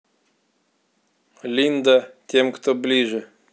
линда тем кто ближе